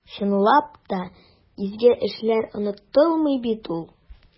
Чынлап та, изге эшләр онытылмый бит ул.